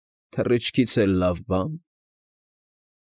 Թռիչքից էլ լավ բա՞ն։